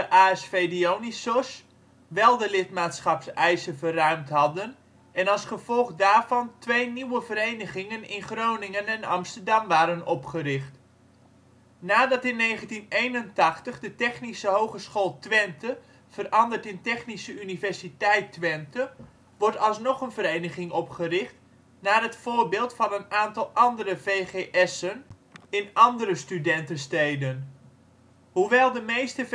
ASV Dionysos) wel de lidmaatschapseisen verruimd hadden en als gevolg daarvan twee nieuwe verenigingen in Groningen en Amsterdam waren opgericht. Nadat in 1981 de Technische Hogeschool Twente verandert in Technische Universiteit Twente wordt alsnog een vereniging opgericht, naar het voorbeeld van een aantal andere VGS-en in andere studentensteden. Hoewel de meeste